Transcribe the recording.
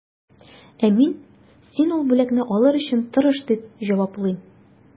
Ә мин, син ул бүләкне алыр өчен тырыш, дип җаваплыйм.